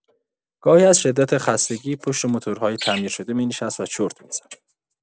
گاهی از شدت خستگی پشت موتورهای تعمیر شده می‌نشست و چرت می‌زد.